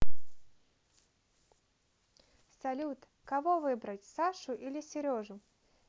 салют кого выбрать сашу или сережу